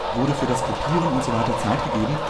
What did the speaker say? wurde für das Gruppieren usw. Zeit gegeben